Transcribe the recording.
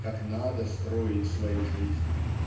как надо строить свою жизнь.